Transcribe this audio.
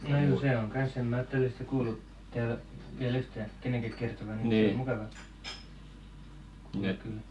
no juu se on kanssa en minä ole tällaisesta kuullut täällä vielä yhtään kenenkään kertovan niin että se on mukava kuulla kyllä